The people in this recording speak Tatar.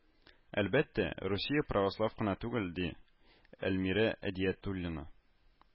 Әлбәттә, Русия православ кына түгел ди Әлмирә Әдиятуллина